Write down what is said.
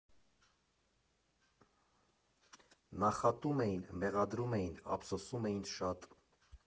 Նախատում էին, մեղադրում էին, ափսոսում էին շատ։